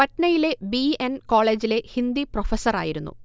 പട്നയിലെ B. N കോളേജിലെ ഹിന്ദി പ്രൊഫസ്സറായിരുന്നു